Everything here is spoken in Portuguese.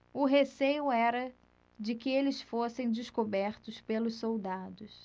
o receio era de que eles fossem descobertos pelos soldados